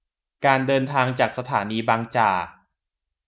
การเดินทางจากสถานีบางจาก